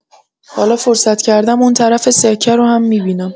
حالا فرصت کردم اون طرف سکه رو هم می‌بینم.